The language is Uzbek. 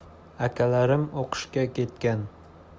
akalarim o'qishga ketgan